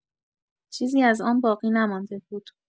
چیزی از آن باقی نمانده بود.